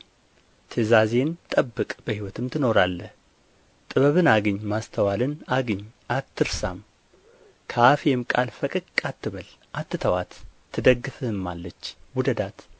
ትእዛዜን ጠብቅ በሕይወትም ትኖራለህ ጥበብን አግኝ ማስተዋልን አግኝ አትርሳም ከአፌም ቃል ፈቀቅ አትበል አትተዋት ትደግፍህማለች ውደዳት